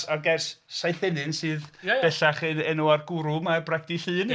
A'r gair S- Seithenyn sydd... Ie... Bellach yn enw ar gwrw Bragdŷ Llyn?